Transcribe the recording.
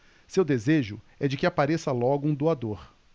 seu desejo é de que apareça logo um doador